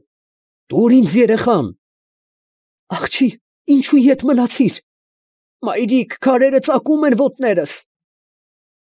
Է… ֊ Տուր ինձ երեխան։ ֊ Աղջի, ի՞նչու ետ մնացիր։ ֊ Մայրիկ, քարերը ծակում են ոտներս։